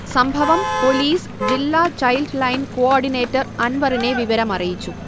സംഭവം പൊലീസ് ജില്ലാ child line coordinator അൻവറിനെ വിവരമറിയിച്ചു